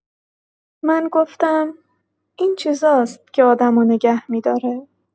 من گفتم: این چیزاست که آدمو نگه می‌داره.